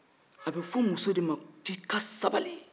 a bɛ fɔ muso de ma k'i ka sabali